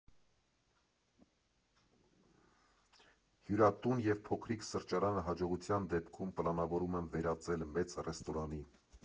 Հյուրատուն և փոքրիկ սրճարանը հաջողության դեպքում պլանավորում եմ վերածել մեծ ռեստորանի։